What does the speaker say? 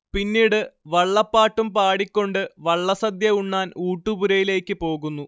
പിന്നീട് വള്ളപ്പാട്ടും പാടി ക്കൊണ്ട് വള്ളസദ്യ ഉണ്ണാൻ ഊട്ടുപുരയിലേയ്ക്ക് പോകുന്നു